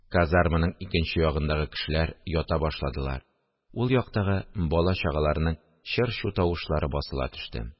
Казарманың икенче ягындагы кешеләр ята башладылар, ул яктагы бала-чагаларның чыр-чу тавышлары басыла төште